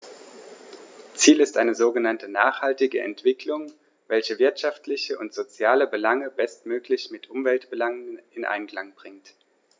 Ziel ist eine sogenannte nachhaltige Entwicklung, welche wirtschaftliche und soziale Belange bestmöglich mit Umweltbelangen in Einklang bringt.